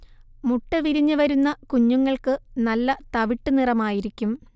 മുട്ട വിരിഞ്ഞ് വരുന്ന കുഞ്ഞുങ്ങൾക്ക് നല്ല തവിട്ട് നിറമായിരിക്കും